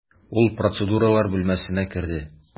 Ул процедуралар бүлмәсенә керде.